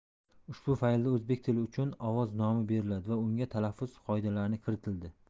ushbu faylda o'zbek tili uchun ovoz nomi berildi va unga talaffuz qoidalari kiritildi